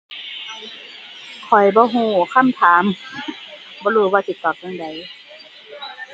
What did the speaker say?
ข้อยบ่รู้คำถาม บ่รู้ว่าสิตอบจั่งใด